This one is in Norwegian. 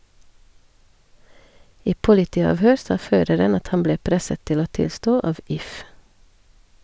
I politiavhør sa føreren at han ble presset til å tilstå av If.